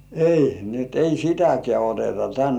ei niin että ei sitäkään oteta tänne